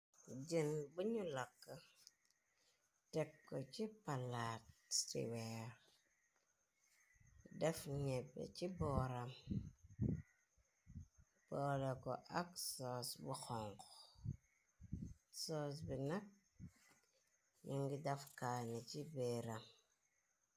Jën buñu làkk tekko ci palaat stewer def ñebb ci booram boole ko ak sos bu xong sos bi nak yu ngi dafkaani ci beeram.